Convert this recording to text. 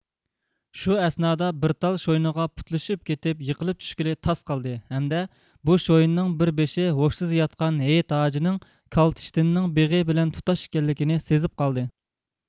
شۇ ئەسنادا بىر تال شوينىغا پۇتلىشىپ كېتىپ يېقىلىپ چۈشكىلى تاس قالدى ھەمدە بۇ شوينىنىڭ بىر بېشى ھوشسىز ياتقان ھېيت ھاجىنىڭ كالتە ئىشتىنىنىڭ بېغى بىلەن تۇتاش ئىكەنلىكىنى سېزىپ قالدى